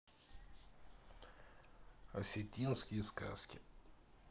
осетинские сказки